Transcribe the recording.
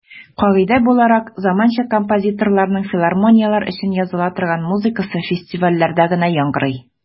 Кагыйдә буларак, заманча композиторларның филармонияләр өчен языла торган музыкасы фестивальләрдә генә яңгырый.